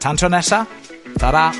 Tan tro nesa, tara.